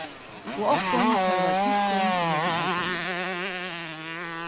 og okkum tørvar tykkum í hesum arbeiðinum